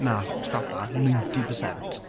Na, scrap that, ninety percent